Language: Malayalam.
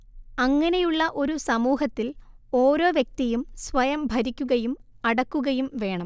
അങ്ങനെയുള്ള ഒരു സമുഹത്തിൽ ഒരോ വ്യക്തിയും സ്വയം ഭരിക്കുകയും അടക്കുകയും വേണം